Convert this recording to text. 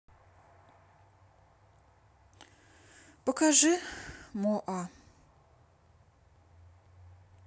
покажи моа